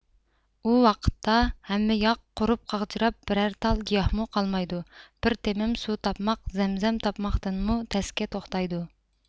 ئۇ ۋاقىتتا ھەممە ياق قۇرۇپ قاغجىراپ بىرەر تال گىياھمۇ قالمايدۇ بىر تېمىم سۇ تاپماق زەمزەم تاپماقتىنمۇ تەسكە توختايدۇ